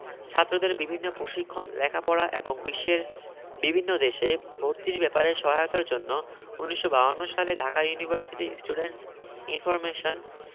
ছাত্রদের বিভিন্ন প্রশিক্ষণ লেখাপড়া এবং বিশ্বের বিভিন্ন দেশে ভর্তির ব্যাপারে সহায়তার জন্য ১৯৫২ সালে ঢাকা ইউনিভার্সিটি স্টুডেন্টস ইনফরমেশান